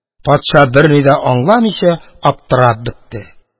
Патша берни дә аңламыйча аптырап бетте.